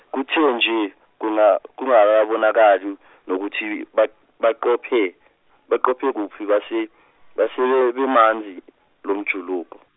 kuthe nje kuna- kungakabonakali nokuthi ba- baqophe, baqophekuphi base, base bemanzi lomjuluko.